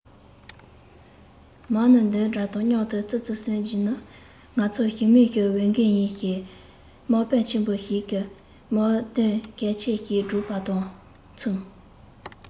མ ཎི འདོན སྒྲ དང མཉམ དུ ཙི ཙི གསོད རྒྱུ ནི ང ཚོ ཞི མིའི འོས འགན ཡིན ཞེས དམག དཔོན ཆེན པོ ཞིག གིས དམག དོན གལ ཆེན ཞིག སྒྲོག པ དང མཚུངས